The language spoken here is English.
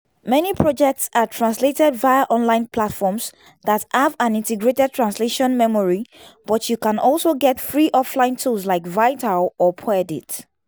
Many projects are translated via online platforms that have an integrated translation memory, but you can also get free offline tools like Virtaal or Poedit.